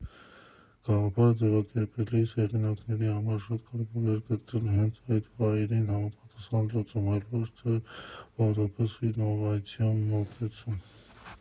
Գաղափարը ձևակերպելիս, հեղինակների համար շատ կարևոր էր գտնել հենց այդ վայրին համապատասխան լուծում, այլ ոչ թե պարզապես ինովացիոն մոտեցում։